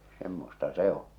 semmoista se on